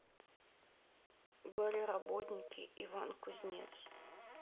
горе работники иван кузнец